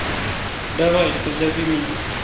давай позови меня